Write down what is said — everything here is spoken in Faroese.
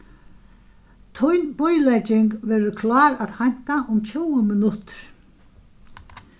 tín bílegging verður klár at heinta um tjúgu minuttir